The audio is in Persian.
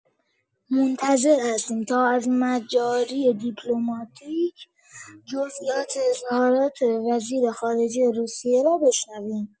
منتظر هستیم تا از مجاری دیپلماتیک جزئیات اظهارات وزیرخارجه روسیه را بشنویم.